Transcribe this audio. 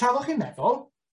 tra bo chi'n meddwl,